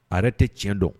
A yɛrɛ te tiɲɛ dɔn